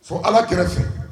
So ala kɛrɛ fɛ